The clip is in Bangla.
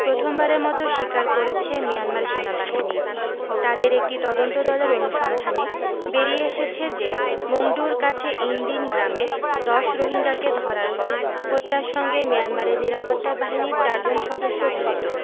প্রথমবারের মতো স্বীকার করেছে মিয়ানমার সেনাবাহিনী তাদের একটি তদন্তদলের অনুসন্ধানে বেরিয়ে এসেছে যে মংডুর কাছে ইনদিন গ্রামে ১০ রোহিঙ্গাকে ধরার পর হত্যার সঙ্গে মিয়ানমারের নিরাপত্তা বাহিনীর চারজন সদস্য জড়িত